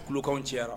Tulokan cɛyara